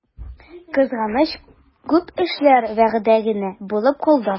Кызганыч, күп эшләр вәгъдә генә булып калды.